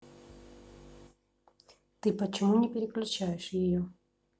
ты почему не переключаешь ее